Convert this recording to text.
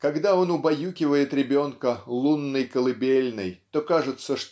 Когда он убаюкивает ребенка лунной колыбельной то кажется